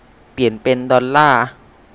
เปลี่ยนเป็นดอลล่า